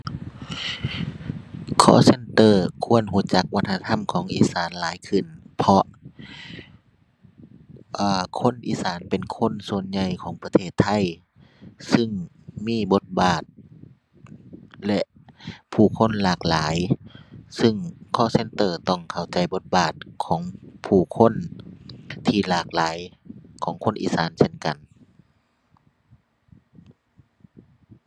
call center ควรรู้จักวัฒนธรรมของอีสานหลายขึ้น เพราะ อ่า คนอีสานเป็นคนส่วนใหญ่ของประเทศไทย ซึ่งมีบทบาทและผู้คนหลากหลาย ซึ่ง call center ต้องเข้าใจบทบาทของผู้คนที่หลากหลายของคนอีสานเช่นกัน